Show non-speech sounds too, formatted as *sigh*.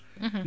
*hesitation* *hesitation*